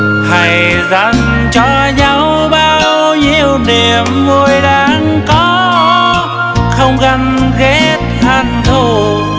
hãy dành cho nhau bao nhiêu niềm vui đang có không ganh ghét hận thù